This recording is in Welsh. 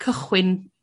cychwyn